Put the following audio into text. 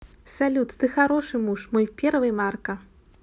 салют ты хороший муж мой первый марка